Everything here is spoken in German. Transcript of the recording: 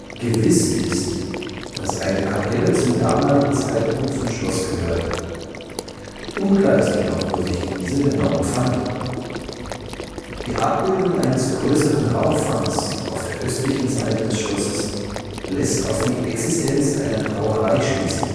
Gewiss ist, dass eine Kapelle zum damaligen Zeitpunkt zum Schloss gehörte. Unklar ist jedoch, wo sich diese genau befand. Die Abbildung eines größeren Rauchfangs auf der östlichen Seite des Schlosses lässt auf die Existenz einer Brauerei schließen